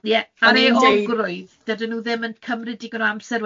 Ie, a'r euogrwydd, dydyn nhw ddim yn cymryd digon o amser